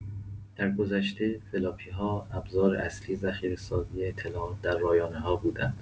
درگذشته، فلاپی ها ابزار اصلی ذخیره‌سازی اطلاعات در رایانه‌ها بودند.